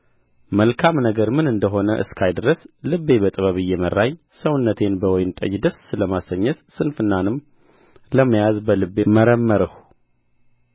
መልካም ነገር ምን እንደ ሆነ እስካይ ድረስ ልቤ በጥበብ እየመራኝ ሰውነቴን በወይን ጠጅ ደስ ለማሰኘት ስንፍናንም ለመያዝ በልቤ መረመርሁ